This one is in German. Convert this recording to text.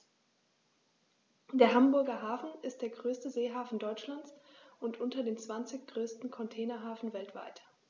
Der Hamburger Hafen ist der größte Seehafen Deutschlands und unter den zwanzig größten Containerhäfen weltweit.